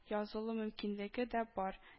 Язылу мөмкинлеге дә бар